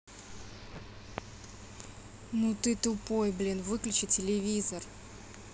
ну ты тупой блин выключи телевизор